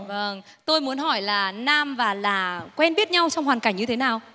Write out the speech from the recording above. vầng tôi muốn hỏi là nam và là quen biết nhau trong hoàn cảnh như thế nào